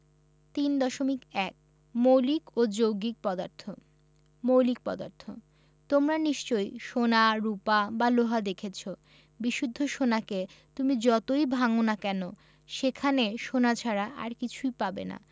৩..১ মৌলিক ও যৌগিক পদার্থঃ মৌলিক পদার্থ তোমরা নিশ্চয় সোনা রুপা বা লোহা দেখেছ বিশুদ্ধ সোনাকে তুমি যতই ভাঙ না কেন সেখানে সোনা ছাড়া আর কিছু পাবে না